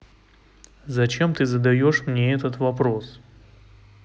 зачем ты задаешь мне этот вопрос